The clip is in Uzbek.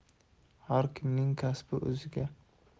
har kimning kasbi o'ziga